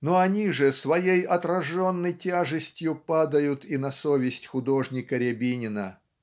но они же своей отраженной тяжестью падают и на совесть художника Рябинина.